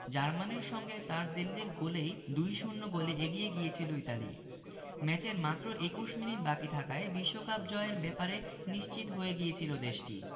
জার্মানির সঙ্গে তারদেল্লির গোলেই ২ ০ গোলে এগিয়ে গিয়েছিল ইতালি ম্যাচের মাত্র ২১ মিনিট বাকি থাকায় বিশ্বকাপ জয়ের ব্যাপারে নিশ্চিত হয়ে গিয়েছিল দেশটি